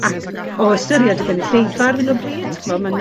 Ac o ystyried y gynulleidfa ar hyn o bryd ch'mo', ma'